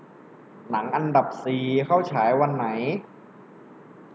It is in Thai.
หนังอันดับสี่เข้าฉายวันไหน